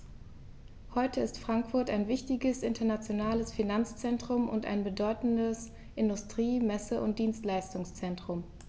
Heute ist Frankfurt ein wichtiges, internationales Finanzzentrum und ein bedeutendes Industrie-, Messe- und Dienstleistungszentrum.